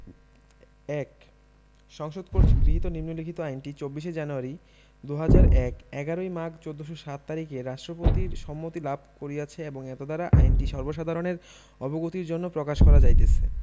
১. সংসদ কর্তৃক গৃহীত নিম্নলিখিত আইনটি ২৪শে জানুয়ারী ২০০১ ১১ই মাঘ ১৪০৭ তারিখে রাষ্ট্রপতির সম্মতি লাভ করিয়অছে এবং এতদ্বারা আইনটি সর্বসাধারণের অবগতির জন্য প্রকাশ করা যাইতেছে